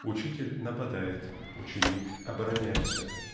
Учитель -- нападает, ученик -- обороняется.